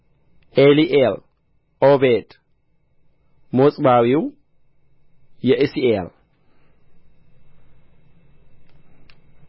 ኤልኤል ዖቤድ ምጾባዊው የዕሢኤል